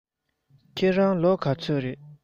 ཁྱེད རང ལོ ག ཚོད རེད